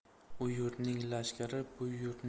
u yurtning lashkari